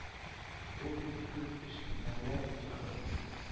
Ул бик күп эшләрне сорый